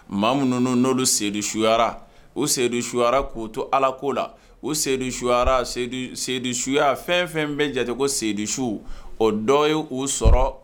Maa munun nolu sedusuyara. U sedusuyara ku to Ala ko la. U sedusuyara , Sedusuya fɛn fɛn bɛ jate ko Sedusu su o dɔ ye u sɔrɔ